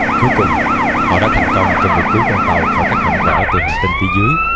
cuối cùng họ đã thành công trong việc cứu con tàu khỏi các mảnh vỡ từ hành tinh phía dưới